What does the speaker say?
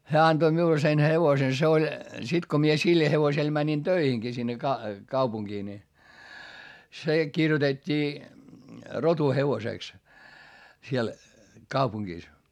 hän antoi minulle sen hevosen se oli sitten kun minä sillä hevosella menin töihinkin sinne - kaupunkiin niin se kirjoitettiin rotuhevoseksi siellä kaupungissa